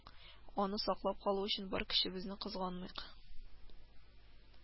Аны саклап калу өчен бар көчебезне кызганмыйк